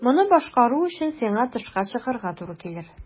Моны башкару өчен сиңа тышка чыгарга туры килер.